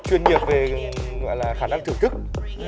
chuyên nghiệp về gọi là khả năng thưởng thức